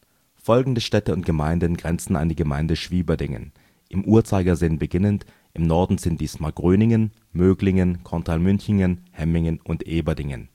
Folgende Städte und Gemeinden grenzen an die Gemeinde Schwieberdingen. Im Uhrzeigersinn beginnend im Norden sind dies Markgröningen, Möglingen, Korntal-Münchingen, Hemmingen und Eberdingen